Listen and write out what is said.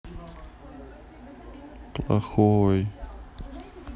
плохой